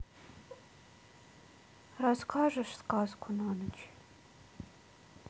расскажешь сказку на ночь